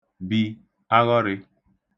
bì aghọrị̄